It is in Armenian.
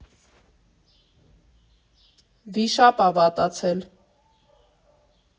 ՎԻՇԱՊ Ա ՎԱՏԱՑԵԼ։